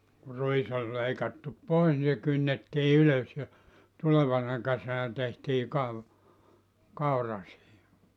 kun ruis oli leikattu pois niin se kynnettiin ylös ja tulevana kesänä tehtiin - kaura siihen